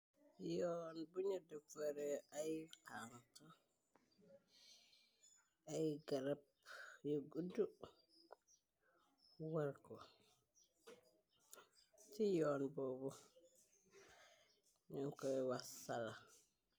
Yoon bu ña dëfore ay ant ay gërab yu guddu wërko ci yoon boobu ñu koy wassala.